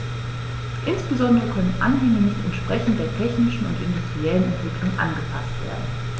Insbesondere können Anhänge nicht entsprechend der technischen und industriellen Entwicklung angepaßt werden.